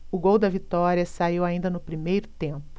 o gol da vitória saiu ainda no primeiro tempo